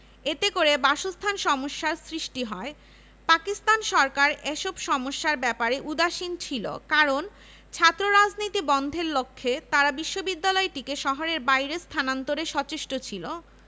এ অবস্থার মোকাবেলার জন্য সরকারি ঢাকা কলেজ ও জগন্নাথ কলেজের ডিগ্রি প্রথম বর্ষের ছাত্রদের নতুন বিশ্ববিদ্যালয়ে স্থানান্তর করা হয়